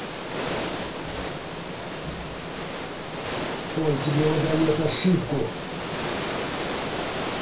он тебе выдает ошибку